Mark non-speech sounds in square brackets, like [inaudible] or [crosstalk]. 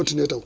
[hesitation] [hesitation]